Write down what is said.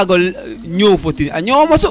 wago ñoow fo ten a ñowa mosu